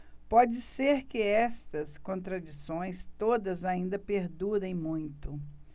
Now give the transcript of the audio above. pode ser que estas contradições todas ainda perdurem muito